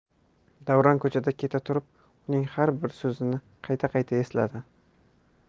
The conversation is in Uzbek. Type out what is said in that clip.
davron ko'chada keta turib uning har bir so'zini qayta qayta esladi